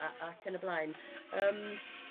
a ac yn y blaen yrm.